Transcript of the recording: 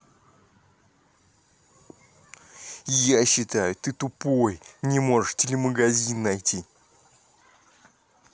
я считаю ты тупой не можешь телемагазин найти